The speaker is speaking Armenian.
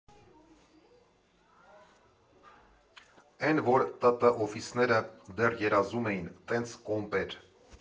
Էն որ տտ օֆիսները դեռ երազում էին՝ տենց կոմպ էր։